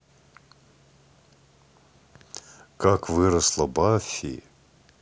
как выросло баффи